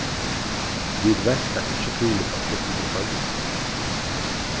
vit velta ikki tílíkar fruktir í føroyum